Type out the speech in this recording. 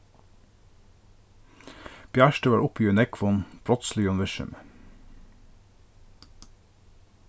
bjartur var uppi í nógvum brotsligum virksemi